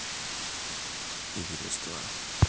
эверест два